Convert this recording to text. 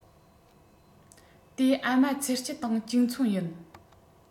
དེ ཨ མ ཚེ སྐྱིད དང གཅིག མཚུངས ཡིན